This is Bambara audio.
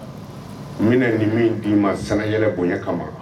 N bɛna nin min d di'i ma sɛnɛy bonya kama